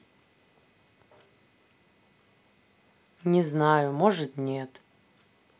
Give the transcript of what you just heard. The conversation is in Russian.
не знаю может нет